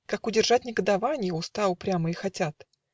Как удержать негодованье Уста упрямые хотят!